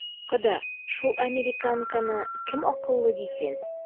Кода, шул американканы кем акыллы дисен?